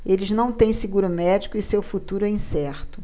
eles não têm seguro médico e seu futuro é incerto